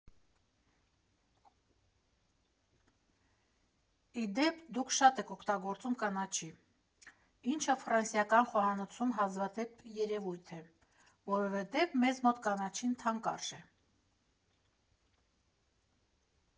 Ի դեպ՝ դուք շատ եք օգտագործում կանաչի, ինչը ֆրանսիական խոհանոցում հազվադեպ երևույթ է, որովհետև մեզ մոտ կանաչին թանկ արժե։